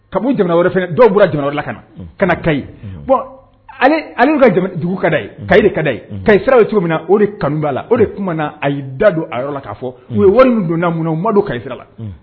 Ka jamana wɛrɛ fɛ dɔw bɔra jamana wɛrɛ la ka na ka ka ɲi ali ka dugu ka da ka de ka da ye kasirara o ye cogo min na o de kanuba la o de na a ye da don a yɔrɔ la k kaa fɔ u ye wari donna munna o mamadu kasirala